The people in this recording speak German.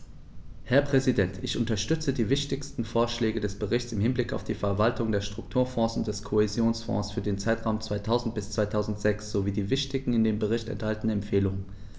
Herr Präsident, ich unterstütze die wichtigsten Vorschläge des Berichts im Hinblick auf die Verwaltung der Strukturfonds und des Kohäsionsfonds für den Zeitraum 2000-2006 sowie die wichtigsten in dem Bericht enthaltenen Empfehlungen.